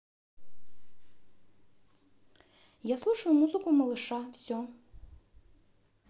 я слушаю музыку малыша все